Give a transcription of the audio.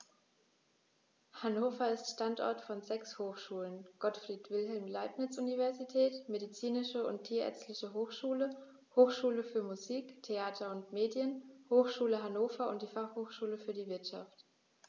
Hannover ist Standort von sechs Hochschulen: Gottfried Wilhelm Leibniz Universität, Medizinische und Tierärztliche Hochschule, Hochschule für Musik, Theater und Medien, Hochschule Hannover und die Fachhochschule für die Wirtschaft.